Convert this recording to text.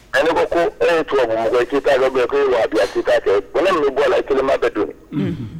A ne ko ko e tu ko mɔgɔ i kiyita la ko waga waa ku' kɛ ko ne min bɔra i kelenma ka don